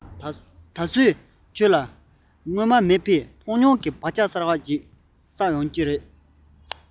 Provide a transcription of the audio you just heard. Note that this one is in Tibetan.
ད བཟོད ཁྱོད ལ སྔར ན མེད པའི མཐོང ཐོས ཀྱི བག ཆགས གསར པ ཞིག བསག འོང ལ